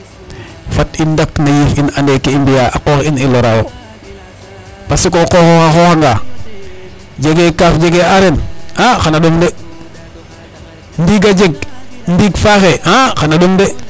Fat i ndakna yiif in ande ke i mbi'aa a qoox in i loraayo parce que koy o qooxoox a xooxanga jegee kaa,f jegee aareer a xan a ɗom de ndiig a jeg ndiig faaxee xan a ɗom de.